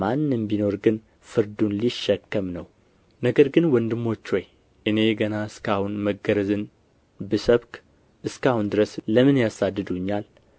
ማንም ቢኖር ግን ፍርዱን ሊሸከም ነው ነገር ግን ወንድሞች ሆይ እኔ ገና እስከ አሁን መገረዝን ብሰብክ እስከ አሁን ድረስ ለምን ያሳድዱኛል